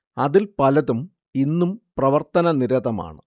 അതിൽ പലതും ഇന്നും പ്രവർത്തനനിരതമാണ്